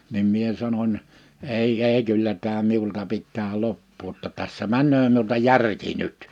niin minä sanoin ei ei kyllä tämä minulta pitää loppua jotta tässä menee minulta järki nyt